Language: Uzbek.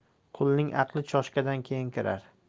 qulning aqli choshkadan keyin kirar